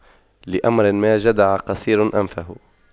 لأمر ما جدع قصير أنفه